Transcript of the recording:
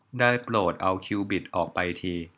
ได้โปรดเอาคิวบิดออกไปที